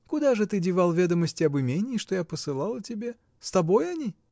— Куда же ты девал ведомости об имении, что я посылала тебе? С тобой они?